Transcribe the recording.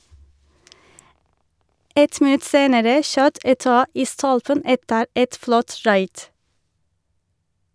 Ett minutt senere skjøt Eto'o i stolpen etter et flott raid.